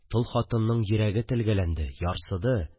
Тол хатынның йөрәге телгәләнде. Ярсыды